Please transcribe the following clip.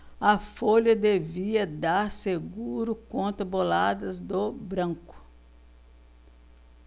a folha devia dar seguro contra boladas do branco